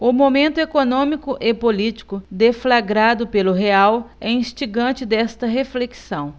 o momento econômico e político deflagrado pelo real é instigante desta reflexão